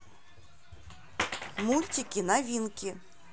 мультики новинки